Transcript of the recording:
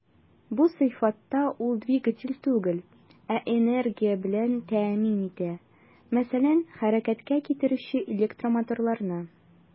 Бу сыйфатта ул двигатель түгел, ә энергия белән тәэмин итә, мәсәлән, хәрәкәткә китерүче электромоторларны.